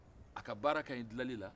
a ka baara ka ɲi dilani nan